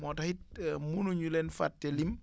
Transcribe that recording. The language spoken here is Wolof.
moo tax it munu ñu leen fàtte lim